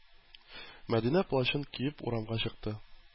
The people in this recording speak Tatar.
Мәдинә плащын киеп урамга чыкты.